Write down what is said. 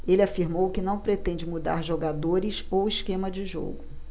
ele afirmou que não pretende mudar jogadores ou esquema de jogo